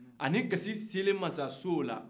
ani kasi sera mansaso la